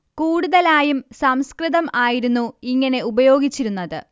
കൂടുതലായും സംസ്കൃതം ആയിരുന്നു ഇങ്ങനെ ഉപയോഗിച്ചിരുന്നത്